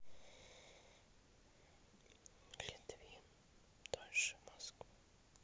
литвин дольше в москву